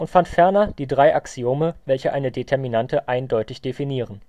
fand ferner die drei Axiome, welche eine Determinante eindeutig definieren